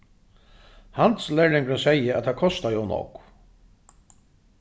handilslærlingurin segði at tað kostaði ov nógv